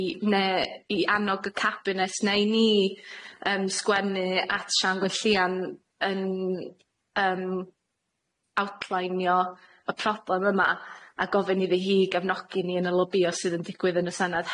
i ne' i annog y cabinet ne' i ni yym sgwennu at Siân Gwenllian yn yym outlineio y problem yma a gofyn iddo hi gefnogi ni yn y lobïo sydd yn digwydd yn y Senedd